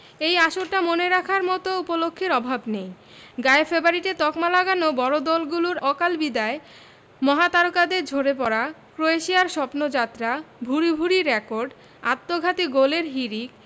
এই আসরটা মনে রাখার মতো উপলক্ষের অভাব নেই গায়ে ফেভারিটের তকমা লাগানো বড় দলগুলোর অকাল বিদায় মহাতারকাদের ঝরে পড়া ক্রোয়েশিয়ার স্বপ্নযাত্রা ভূরি ভূরি রেকর্ড আত্মঘাতী গোলের হিড়িক